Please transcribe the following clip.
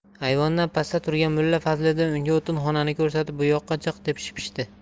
ayvondan pastda turgan mulla fazliddin unga o'tinxonani ko'rsatib bu yoqqa chiq deb shipshidi